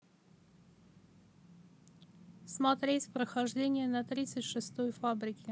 смотреть прохождение на тридцать шестой фабрике